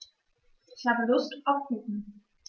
Ich habe Lust auf Kuchen.